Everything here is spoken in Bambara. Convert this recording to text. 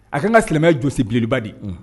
A ka n ka silamɛ jɔsi bilenliba de